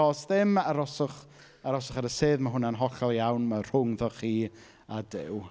Os ddim aroswch aroswch ar y sedd mae hwnna'n hollol iawn ma' rhwngddo chi a Duw.